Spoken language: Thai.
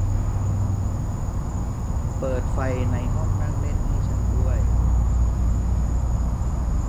เปิดไฟในห้องนั่งเล่นให้ฉันด้วย